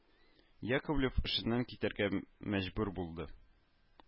Яковлев эшеннән китәргә мәҗбүр булды